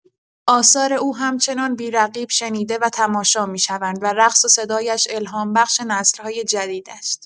آثار او همچنان بی‌رقیب شنیده و تماشا می‌شوند و رقص و صدایش الهام‌بخش نسل‌های جدید است.